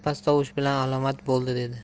past tovush bilan alomat bo'ldi dedi